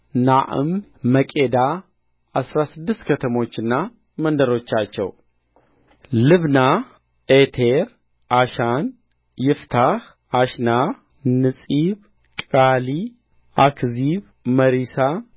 ናዕማ መቄዳ አሥራ ስድስት ከተሞችና መደሮቻቸው ልብና ዔቴር ዓሻን ይፍታሕ አሽና ንጺብ ቅዒላ አክዚብ መሪሳ